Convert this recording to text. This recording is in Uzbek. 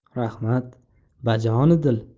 rahmat bajonu dil